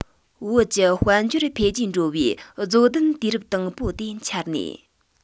བོད ཀྱི དཔལ འབྱོར འཕེལ རྒྱས འགྲོ བའི རྫོགས ལྡན དུས རབས དང པོ དེ འཆར ནས